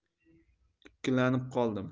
ikkilanib qoldim